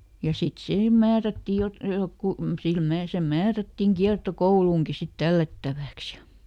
ja sitten siihen määrättiin - joku sille - se määrättiin kiertokouluun sitten tällättäväksi ja